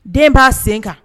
Den b'a sen kan